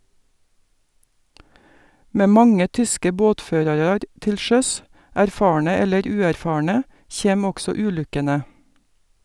Med mange tyske båtførarar til sjøs , erfarne eller uerfarne , kjem også ulukkene.